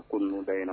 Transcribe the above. A ko ninnu da ɲɛna